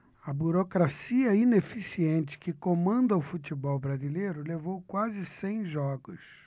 a burocracia ineficiente que comanda o futebol brasileiro levou quase cem jogos